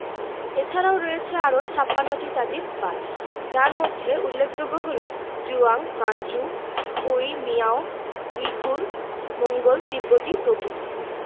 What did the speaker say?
এছারাও রয়েছে আরও ৫৬ টি জাতির বাসযার মধ্যে উল্লেখযোগ্য হলো Zhuang Manchu Hui Miao Uyghur Mongol তিব্বতি প্রভৃতি